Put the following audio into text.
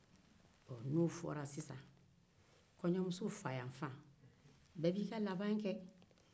n'o fɔra sisan bɛɛ b'i ka labɛn kɛ